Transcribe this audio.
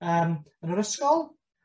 yym yn yr ysgol?